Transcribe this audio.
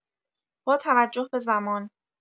با توجه به زمان